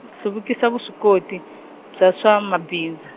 hluvukisa vuswikoti, bya swa mabindzu.